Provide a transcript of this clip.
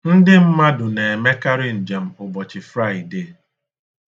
Ndị mmadụ na-emekarị njem ụbọchị Fraịde.